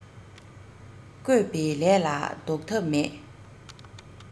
བསྐོས པའི ལས ལ ཟློག ཐབས མེད